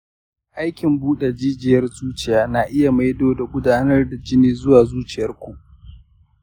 aikin buɗe jijiyar zuciya na iya maido da gudanar da jini zuwa zuciyar ku.